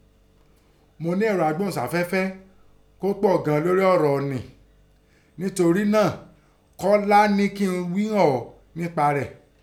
Mọ nẹ́ ẹ̀rọ agbóhùnsáfẹ́fẹ́ kọ pọ̀ gan an lórí ọ̀ràn ọ̀ún, torí rẹ̀ Kọ́lá ghíi kẹ́n mi ghí hàn ọ́ únpa rẹ̀.